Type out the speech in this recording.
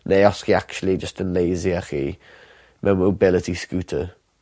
neu os chi actually jyst yn lazy a chi mewn mobility scooter.